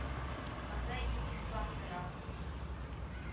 Монда ил-ислам тора.